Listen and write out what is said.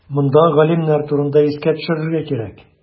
Монда галимнәр турында искә төшерергә кирәк.